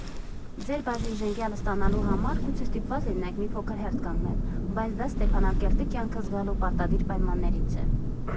Ձեր բաժին ժենգյալը ստանալու համար գուցե ստիպված լինեք մի փոքր հերթ կանգնել, բայց դա Ստեփանակերտի կյանքը զգալու պարտադիր պայմաններից է։